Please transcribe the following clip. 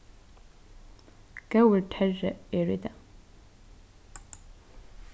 góður terri er í dag